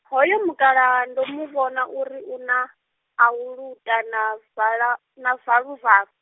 hoyo mukalaha ndo mu vhona uri u na, ahuluta na vala-, na valuvalu.